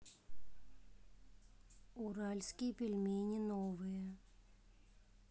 уральские пельмени новые